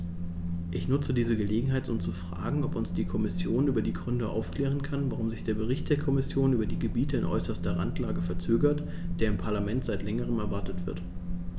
Ich nutze diese Gelegenheit, um zu fragen, ob uns die Kommission über die Gründe aufklären kann, warum sich der Bericht der Kommission über die Gebiete in äußerster Randlage verzögert, der im Parlament seit längerem erwartet wird.